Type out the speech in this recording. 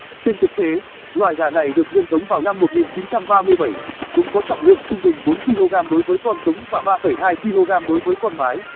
trên thực tế loài gà này được nhân giống vào năm chúng có trọng lượng trung bình kg đối với con trống và kg đối với con mái